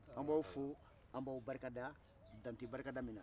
an b'aw barikada dan tɛ barikada min na